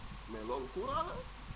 mais loolu courant la